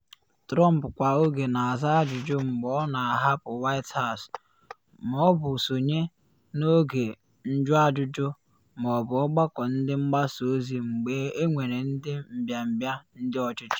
Trump kwa oge na aza ajụjụ mgbe ọ na ahapụ White House ma ọ bụ sonye n’oge njụajụjụ ma ọ bụ ọgbakọ ndị mgbasa ozi mgbe enwere ndị mbịambịa ndị ọchịchị.